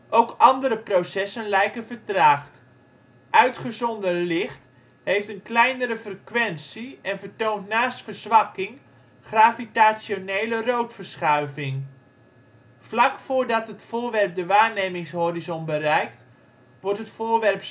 Ook andere processen lijken vertraagd: uitgezonden licht heeft een kleinere frequentie en vertoont naast verzwakking gravitationele roodverschuiving. Vlak voordat het voorwerp de waarnemingshorizon bereikt, wordt het voorwerp